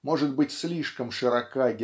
может быть, слишком широка